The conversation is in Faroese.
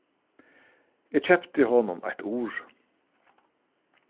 eg keypti honum eitt ur